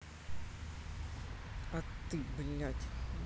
а ты блядь